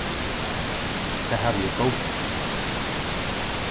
tað havi eg góðtikið